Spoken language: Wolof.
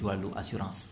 ci wàllu assurance